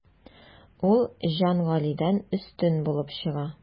Ул Җангалидән өстен булып чыга.